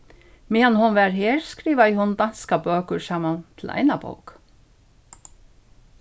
meðan hon var her skrivaði hon danskar bøkur saman til eina bók